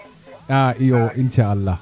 a iyo insaala